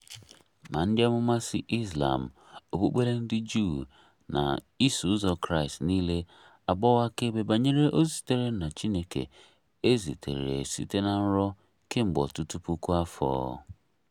Ma ndị amụma si Izlam, Okpukpere ndị Juu na Iso Ụzọ Kraịstị nile agbawo akaebe banyere ozi sitere na Chineke e zitere site na nrọ kemgbe ọtụtụ puku afọ.